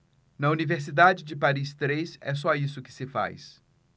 na universidade de paris três é só isso que se faz